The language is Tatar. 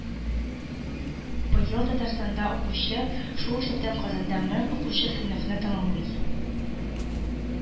Быел Татарстанда укучы, шул исәптән Казанда мең укучы сыйныфны тәмамлый